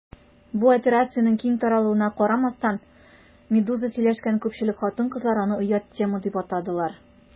Бу операциянең киң таралуына карамастан, «Медуза» сөйләшкән күпчелек хатын-кызлар аны «оят тема» дип атадылар.